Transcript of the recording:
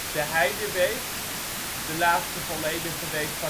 De Heideweek (laatste volledige week